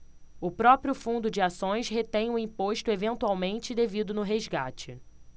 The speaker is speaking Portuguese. o próprio fundo de ações retém o imposto eventualmente devido no resgate